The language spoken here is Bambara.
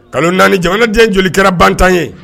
Kalo naaniani jamana den joli kɛra bantan ye